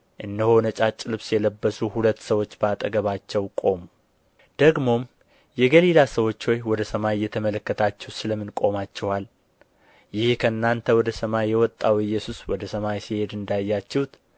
እነሆ ነጫጭ ልብስ የለበሱ ሁለት ሰዎች በአጠገባቸው ቆሙ ደግሞም የገሊላ ሰዎች ሆይ ወደስማይ እየተመለከታችሁ ስለ ምን ቆማችኋል ይህ ከእናንተ ወደ ሰማይ የወጣው ኢየሱስ ወደ ሰማይ ሲሄድ እንዳያችሁት